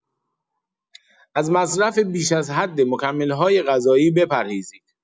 از مصرف بیش از حد مکمل‌های غذایی بپرهیزید.